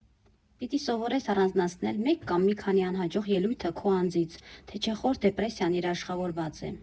Պիտի սովորես առանձնացնել մեկ կամ մի քանի անհաջող ելույթը քո անձից, թե չէ խոր դեպրեսիան երաշխավորված է։